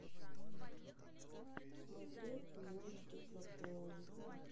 смотреть мультики про пони